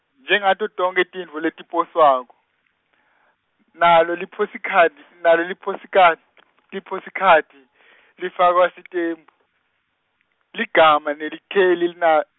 Njengato tonkhe tintfo letiposwako , nalo liposikhadi, nalo liposikhad-, liposikhadi , lifakwa sitembu, ligama nelikheli na.